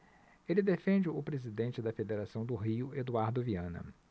ele defende o presidente da federação do rio eduardo viana